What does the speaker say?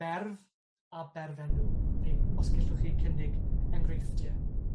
berf, a berfenw, neu os gellwch chi cynnig enghreifftie.